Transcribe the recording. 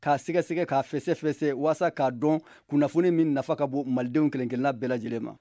k'a sɛgɛsɛgɛ k'a fɛsɛfɛsɛ walasa k'a dɔn kunnafoni min nafa ka bon malidenw kelenkelenna bɛɛ lajɛlen ma